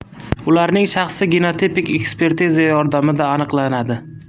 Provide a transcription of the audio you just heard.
ularning shaxsi genotipik ekspertiza yordamida aniqlanadi